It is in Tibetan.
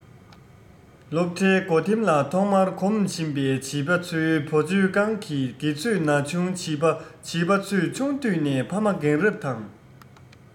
སློབ གྲྭའི སྒོ ཐེམ ལ ཐོག མར འགོམ བཞིན པའི བྱིས པ ཚོའི བུ བཅོལ ཁང གི དགེ ཚོས ན ཆུང བྱིས པ བྱིས པ ཚོས ཆུང དུས ནས ཕ མ རྒན རབས དང